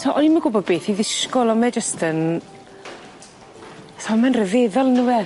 So o'n i'm yn gwbo beth i ddisgwl on' mae jyst so ma'n ryfeddol on' yw e?